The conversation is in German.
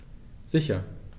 Sicher.